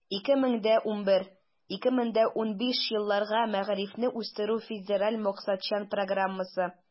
2011 - 2015 елларга мәгарифне үстерү федераль максатчан программасы.